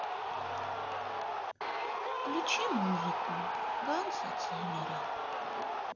включи музыку ганса циммера